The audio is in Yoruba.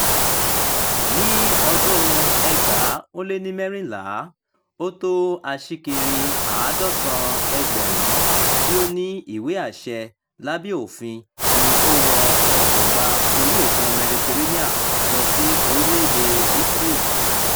Ní ọdún-un 2014, ó tó aṣíkiri 170,000 tí ò ní ìwé-àṣẹ lábẹ́ òfin ni ó ń wọ ọkọ̀ gba orí òkun Mediterranean lọ sí orílẹ̀-èdè Italy.